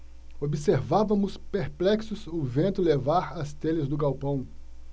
observávamos perplexos o vento levar as telhas do galpão